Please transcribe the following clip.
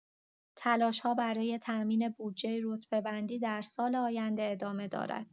تلاش‌ها برای تامین بودجه رتبه‌بندی در سال آینده ادامه دارد.